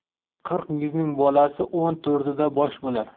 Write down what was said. qirq yuzning bolasi o'n to'rtida bosh bo'lar